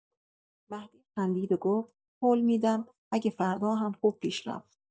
مهدی خندید و گفت: «قول می‌دم، اگه فردا هم خوب پیش رفت.»